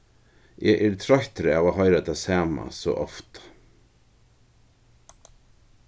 eg eri troyttur av at hoyra tað sama so ofta